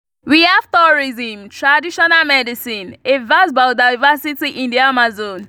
We have tourism, traditional medicine, a vast biodiversity in the Amazon.